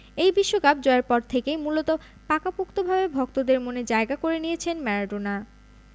এই বিশ্বকাপ জয়ের পর থেকেই মূলত পাকাপোক্তভাবে ভক্তদের মনে জায়গা করে নিয়েছেন ম্যারাডোনা